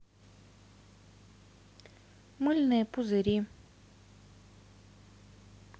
мыльные пузыри